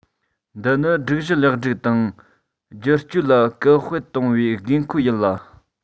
འདི ནི སྒྲིག གཞི ལེགས སྒྲིག དང བསྒྱུར བཅོས ལ སྐུལ སྤེལ གཏོང བའི དགོས མཁོ ཡིན ལ